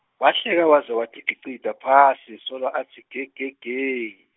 wahleka waze watigicita phansi, solo atsi gegege.